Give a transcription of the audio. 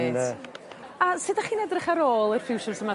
Dwi'n yy A sud dach chi'n edrych ar ôl yr ffiwsias yma?